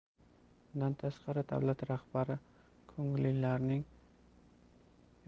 bundan tashqari davlat